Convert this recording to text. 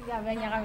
I y'a bɛɛ ɲagami